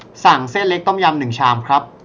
สั่งเส้นเล็กต้มยำหนึ่่งชามครับ